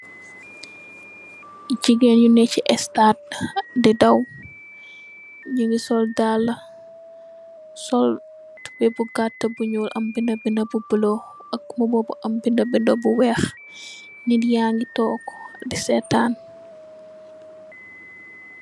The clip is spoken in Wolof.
Gigain yu neh chii estade dii daw, njungy sol daalah, sol tubeiyy bu gatah bu njull, am binda binda bu blue, ak mbuba bu am binda binda bu wekh, nitt yangy tok dii sehtan.